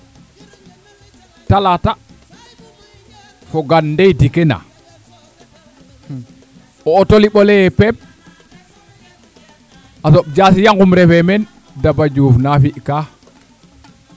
talata fogan ndey dike na o auto liɓole leye pep a soɓ jaasiya ngum refe meen Daba Diouf na fika